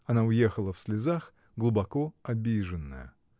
Она уехала в слезах, глубоко обиженная.